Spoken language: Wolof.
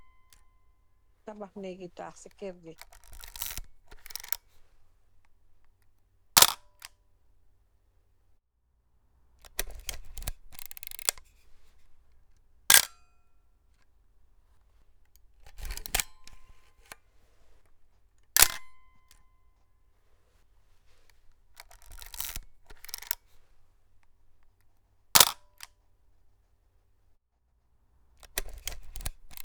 Tabax nigi taax si kergi